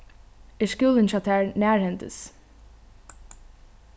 er skúlin hjá tær nærhendis